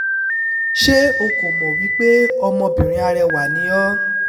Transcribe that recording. Ṣé o kò mọ̀ wípé ọmọbìnrin arẹwà ni ọ́ ?